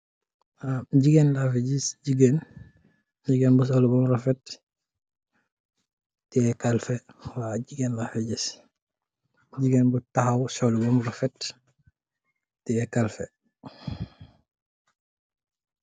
Jigéen laa fi gis, jigéen mungi soolu bam rafet, tiye kalpe. Waaw, jigéen laa fi gis, jigéen bu taxaw soolu bam rafet, tiye kalpe.